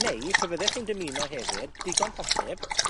neu pe fyddech chi'n dymuno hefyd, digon posib,